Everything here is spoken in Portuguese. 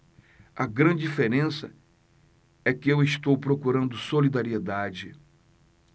a grande diferença é que eu estou procurando solidariedade